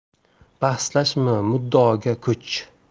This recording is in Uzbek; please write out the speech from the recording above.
bahslashma muddaoga ko'ch